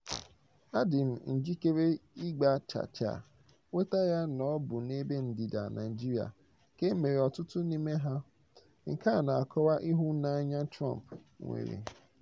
Adị m njikere ịgba chaa chaa nweta ya na ọ bụ n'ebe ndịda Naịjirịa ka e mere ọtụtụ n'ime ha, nke na-akọwa ịhụnanya Trump nwere.